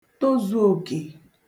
tozù òkè